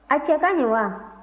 a cɛ ka ɲi wa